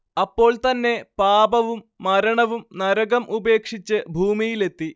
അപ്പോൾ തന്നെ പാപവും മരണവും നരകം ഉപേക്ഷിച്ച് ഭൂമിയിലെത്തി